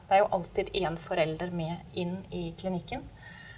det er jo alltid én forelder med inn i klinikken.